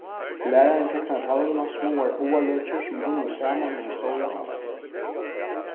lærarin teknaði á talvuna smáar áarløkir sum runnu saman í eina stóra á